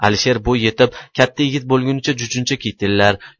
alisher bo'y yetib katta yigit bo'lgunicha jujuncha kitellar